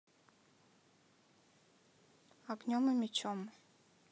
огнем и мечом